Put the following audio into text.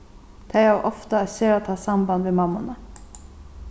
tey hava ofta eitt sera tætt samband við mammuna